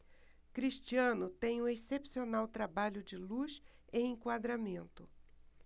cristiano tem um excepcional trabalho de luz e enquadramento